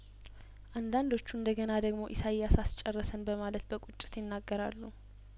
አንዳንዶቹ እንደገና ደግሞ ኢሳይያስ አስጨረሰን በማለት በቁጭት ይናገራሉ